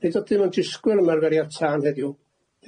Nid ydym yn disgwyl ymarferiad tân heddiw.